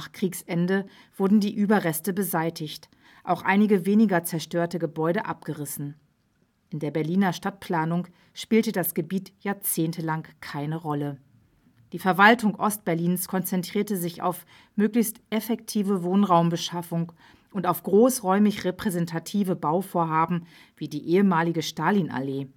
Kriegsende wurden die Überreste beseitigt, auch einige weniger zerstörte Gebäude abgerissen. In der Berliner Stadtplanung spielte das Gebiet jahrzehntelang keine Rolle. Die Verwaltung Ost-Berlins konzentrierte sich auf möglichst effektive Wohnraumbeschaffung und auf großräumig-repräsentative Bauvorhaben wie die ehemalige Stalinallee